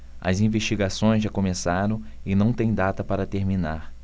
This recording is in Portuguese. as investigações já começaram e não têm data para terminar